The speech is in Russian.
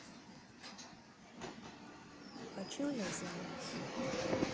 хочу я замуж